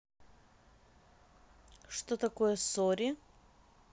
что такое sorry